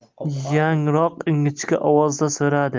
yangroq ingichka ovozda so'radi